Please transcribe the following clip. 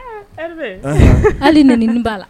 Ee Ɛrive ? Hali nɛni ni ba la